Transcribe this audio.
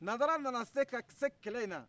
nanzara nana se ka se kɛlɛ in na